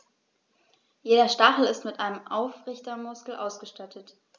Jeder Stachel ist mit einem Aufrichtemuskel ausgestattet.